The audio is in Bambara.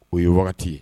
O ye wagati ye.